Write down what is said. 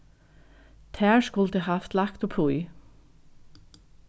tær skuldu havt lagt uppí